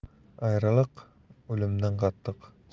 ayriliq o'limdan qattiq